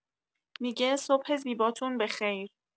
می‌گه صبح زیباتون بخیر